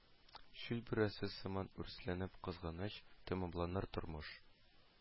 Чүл бүресе сыман үрсәләнеп Кызганыч тәмамланыр тормыш